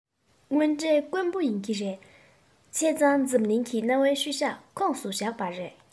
དངོས འབྲེལ དཀོན པོ ཡིན གྱི རེད བྱས ཙང འཛམ གླིང གི གནའ བོའི ཤུལ བཞག ཁོངས སུ བཞག པ རེད